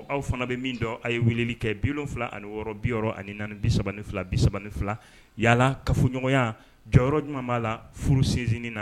Aw fana bɛ min dɔn a ye weele kɛ bifila ani wɔɔrɔ bi6 ani bi3 fila bi3 fila yalala kafoɲɔgɔnya jɔyɔrɔ ɲumanumamaa la furu sensinnin na